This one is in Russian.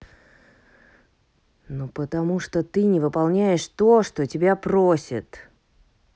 ну потому что ты не выполняешь то что тебя просит